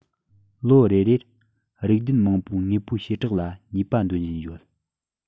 ལོ རེ རེར རིགས རྒྱུད མང པོའི དངོས པོའི བྱེ བྲག ལ ནུས པ འདོན བཞིན ཡོད